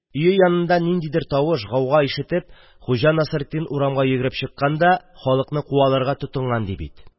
Өе янында ниндидер тавыш, гауга ишетеп, Хуҗа Насретдин урамга йөгереп чыккан да, халыкны куаларга тотынган ди бит